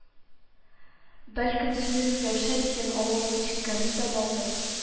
Бәлкем, синең Миләүшә дигән авылны ишеткәнең дә бардыр